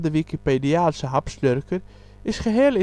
Wikipediaanse hapsnurker is geheel